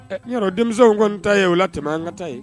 Denmisɛn denmisɛnw kɔni ta ye u la tɛmɛ an ka taa ye